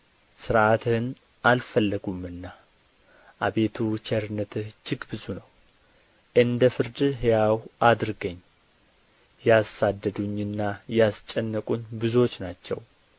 ሥርዓትህን አልፈለጉምና አቤቱ ቸርነትህ እጅግ ብዙ ነው እንደ ፍርድህ ሕያው አድርገኝ ያሳደዱኝና ያስጨነቁኝ ብዙዎች ናቸው